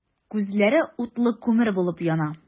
Күзләре утлы күмер булып яна.